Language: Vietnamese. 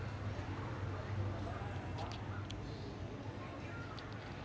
hãy comment like share and subscribe